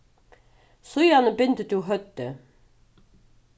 síðani bindur tú høvdið